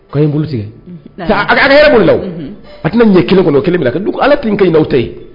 K'a ye n bolo tigɛ a an yɛrɛ a tɛna ɲɛ kelenkolon kelen na ka ala' ka n'aw tɛ ye